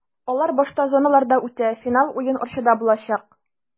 Алар башта зоналарда үтә, финал уен Арчада булачак.